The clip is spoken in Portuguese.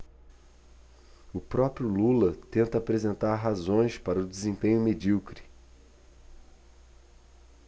o próprio lula tenta apresentar razões para o desempenho medíocre